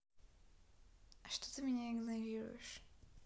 а что ты меня игнорируешь